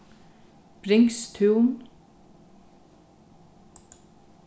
bringstún